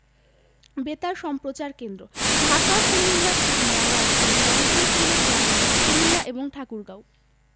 বেতার সম্প্রচার কেন্দ্রঃ ঢাকা কুমিল্লা খুলনা রাজশাহী রংপুর সিলেট রাঙ্গামাটি কুমিল্লা এবং ঠাকুরগাঁও